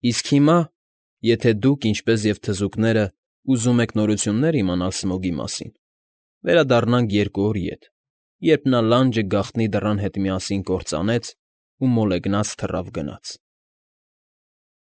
Իսկ հիմա, եթե դուք, ինչպես և թզուկները, ուզում եք նորություններ իմանալ Սմոգի մասին, վերադառնանք երկու օր ետ, երբ նա լանջը գաղտնի դռան հետ միասին կործանեց ու մոլեգնած թռավ գնաց։